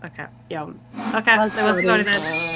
Ocê, iawn. Ocê, wna i weld ti... fory ...fory dden!